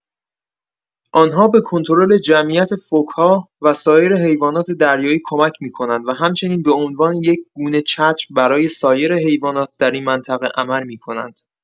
آن‌ها به کنترل جمعیت فوک‌ها و سایر حیوانات دریایی کمک می‌کنند و همچنین به عنوان یک گونه چتر برای سایر حیوانات در این منطقه عمل می‌کنند.